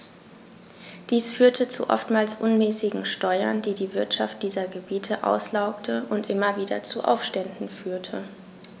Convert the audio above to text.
Dies führte zu oftmals unmäßigen Steuern, die die Wirtschaft dieser Gebiete auslaugte und immer wieder zu Aufständen führte.